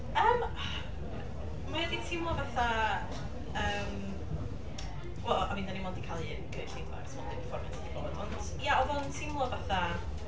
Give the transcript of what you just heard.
Yym mae o 'di teimlo fatha, yym… Wel, I mean dan ni mond 'di cael un cynulleidfa achos mond un perfformiad sy di bod. Ond ia, oedd o'n teimlo fatha…